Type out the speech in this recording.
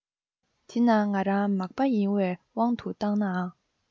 འདི ན ང རང མག པ ཡིན བའི དབང དུ བཏང ནའང